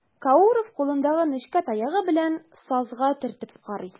Кауров кулындагы нечкә таягы белән сазга төртеп карый.